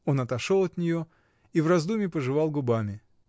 Он отошел от нее и в раздумье пожевал губами.